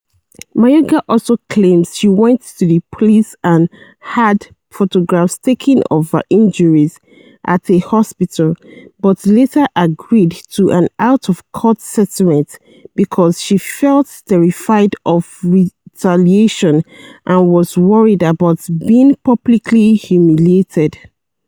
Mayorga also claims she went to the police and had photographs taken of her injuries at a hospital, but later agreed to an out-of-court settlement because she felt "terrified of retaliation" and was worried about "being publicly humiliated."